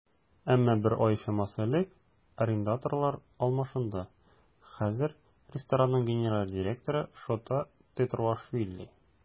Әмма бер ай чамасы элек арендаторлар алмашынды, хәзер ресторанның генераль директоры Шота Тетруашвили.